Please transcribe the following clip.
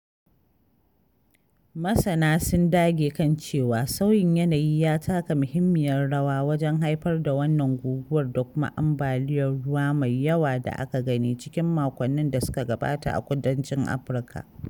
Masana sun dage kan cewa sauyin yanayi ya taka muhimmiyar rawa wajen haifar da wannan guguwar da kuma ambaliyar ruwa mai yawa da aka gani cikin makonnin da suka gabata a kudancin Afirka.